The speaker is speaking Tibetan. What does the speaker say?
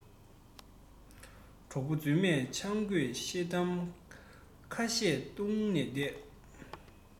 གྲོགས པོ རྫུན མས ཆང རྒོད ཤེལ དམ ཁ ཤས བཏུང ནས བསྡད